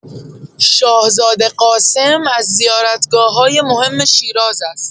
شاهزاده قاسم از زیارتگاه‌های مهم شیراز است.